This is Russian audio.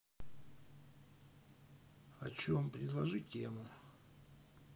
о чем предложи тему